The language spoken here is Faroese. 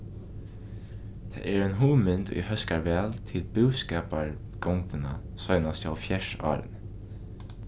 tað er ein hugmynd ið hóskar væl til búskapargongdina seinastu hálvfjerðs árini